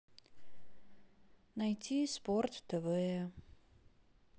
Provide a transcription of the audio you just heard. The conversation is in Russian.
найти спорт тв